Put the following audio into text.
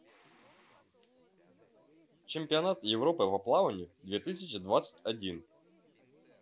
чемпионат европы по плаванию две тысячи двадцать один